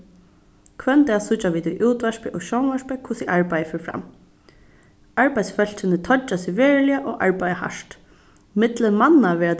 hvønn dag síggja vit í útvarpi og sjónvarpi hvussu arbeiðið fer fram arbeiðsfólkini toyggja seg veruliga og arbeiða hart millum manna verða